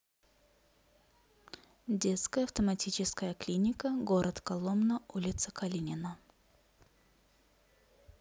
детская автоматическая клиника город коломна улица калинина